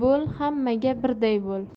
bo'l hammaga birday bo'l